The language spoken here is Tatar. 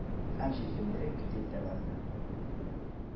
Һәм җилкендереп китеп тә барды